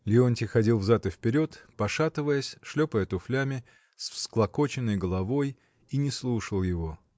Леонтий ходил взад и вперед, пошатываясь, шлепая туфлями, с всклокоченной головой, и не слушал его.